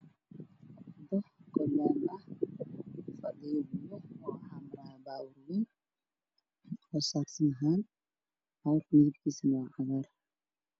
Wado oo laami ah fadhiyo biyo waxaa maraayo baabuur weyn oo sagsiig ahaan baabuurka midabkiisana waa cagaar